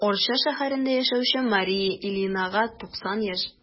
Арча шәһәрендә яшәүче Мария Ильинага 90 яшь.